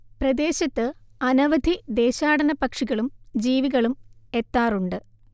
പ്രദേശത്ത് അനവധി ദേശാടന പക്ഷികളും ജീവികളും എത്താറുണ്ട്